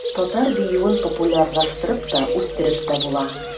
Татар биюен популярлаштырып та, үстереп тә була.